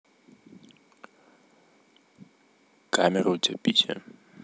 камера у тебя пися